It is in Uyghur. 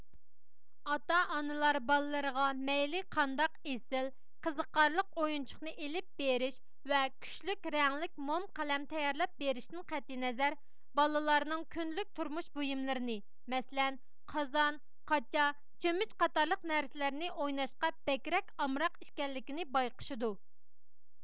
ئاتا ئانىلار بالىلىرىغا مەيلى قانداق ئېسىل قىزىقارلىق ئويۇنچۇقنى ئېلىپ بېرىش ۋە كۈچلۈك رەڭلىك موم قەلەم تەييارلاپ بېرىشتىن قەتئىينەزەر بالىلارنىڭ كۈندىلىك تۇرمۇش بۇيۇملىرىنى مەسىلەن قازان قاچا چۆمۈچ قاتارلىق نەرسىلەرنى ئويناشقا بەكرەك ئامراق ئىكەنلىكىنى بايقىشىدۇ